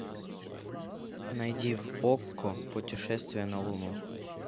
найди в окко путешествие на луну